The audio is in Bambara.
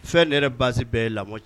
Fɛn in yɛrɛ base bɛɛ ye lamɔ cɛ